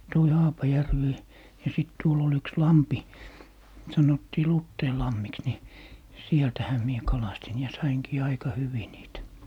toi Haapajärvi ja sitten tuolla oli yksi lampi sanottiin Luteinlammiksi niin sieltähän minä kalastin ja sainkin aika hyvin niitä